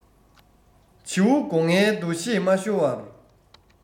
བྱིའུ སྒོ ངའི འདུ ཤེས མ ཤོར བར